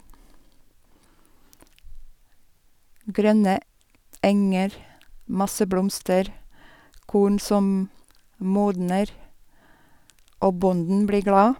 Grønne enger, masse blomster, korn som modner, og bonden blir glad.